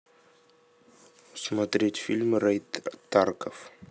смотреть фильм рейд тарков